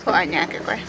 Soo a ñaaw ke koy?